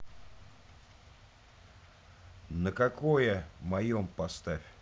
на какое моем поставь